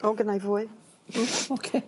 O gynnai fwy. O oce...